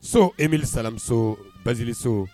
So e miri saramimuso baziriso